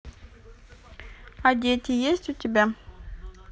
а дети есть у тебя